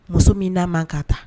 Muso min n'a man k'a ta.